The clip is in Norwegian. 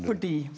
fordi.